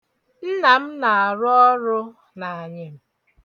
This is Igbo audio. Nna m na-arụ ọrụ n'anyịm.